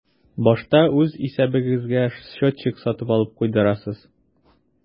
Башта үз исәбегезгә счетчик сатып алып куйдырасыз.